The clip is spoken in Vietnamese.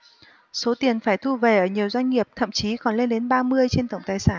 số tiền phải thu về ở nhiều doanh nghiệp thậm chí còn lên đến ba mươi trên tổng tài sản